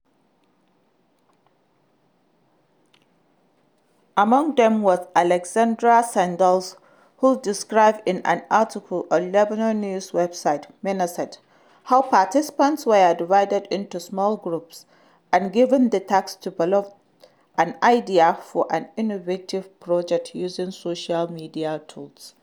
Among them, was Alexandra Sandels who described in an article on Lebanon news website, Menassat, how participants were divided into small groups and given the task to develop an idea for an innovative project using social media tools.